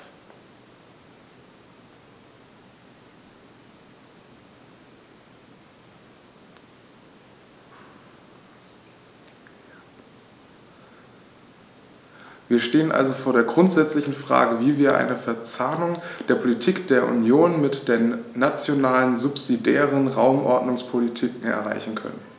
Wir stehen also vor der grundsätzlichen Frage, wie wir eine Verzahnung der Politik der Union mit den nationalen subsidiären Raumordnungspolitiken erreichen können.